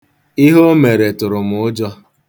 Ihe o mere tụrụ m ụjọ.